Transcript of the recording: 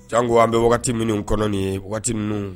Jango an bɛ wagati minnu kɔnɔ nin ye wagati minnu